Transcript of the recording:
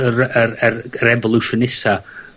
yr r- yr yr revolution nesa.